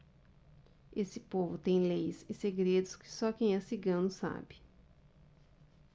esse povo tem leis e segredos que só quem é cigano sabe